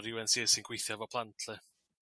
iw en si ar si sy'n gweithio efo plant 'llu.